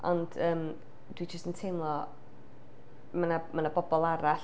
Ond yym dwi jyst yn teimlo, ma' 'na ma' 'na bobl arall.